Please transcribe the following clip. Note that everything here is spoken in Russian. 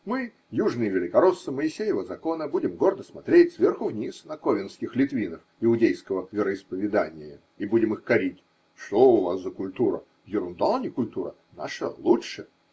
Мы, южные великороссы Моисеева закона, будем гордо смотреть сверху вниз на ковенских литвинов иудейского вероисповедания и будем их корить: – Что у вас за культура? Ерунда, а не культура. Наша лучше!